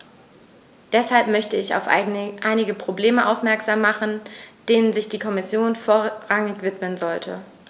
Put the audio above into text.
Deshalb möchte ich auf einige Probleme aufmerksam machen, denen sich die Kommission vorrangig widmen sollte.